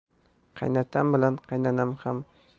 qaynatam bilan qaynanam ham